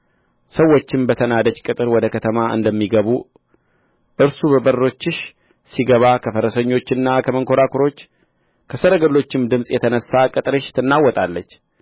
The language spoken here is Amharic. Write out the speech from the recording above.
ሰዎችም በተናደች ቅጥር ወደ ከተማ እንደሚገቡ እርሱ በበሮችሽ ሲገባ ከፈረሰኞችና ከመንኰራኵሮች ከሰረገሎችም ድምፅ የተነሣ ቅጥርሽ ትናወጣለች